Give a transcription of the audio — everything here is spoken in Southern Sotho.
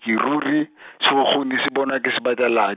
ye ruri , sekgukguni se bonwa ke sebatala-.